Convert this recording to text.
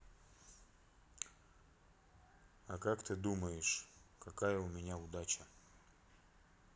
а как ты думаешь какая у меня удача